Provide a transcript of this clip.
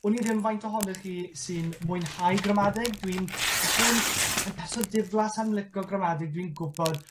wn i ddim faint ohonoch chi sy'n mwynhau gramadeg. Dwi'n falle'n yn person diflas am lico gramadeg dwi'n gwbod